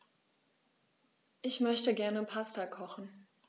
Ich möchte gerne Pasta kochen.